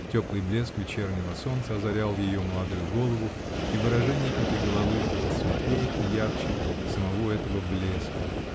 Теплый блеск вечернего солнца озарял ее молодую голову -- и выражение этой головы было светлее и ярче самого этого блеска.